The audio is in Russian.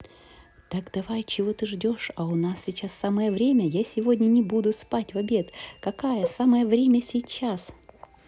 так давай чего ты ждешь а у нас сейчас самое время я сегодня не буду спать в обед какая самое время сейчас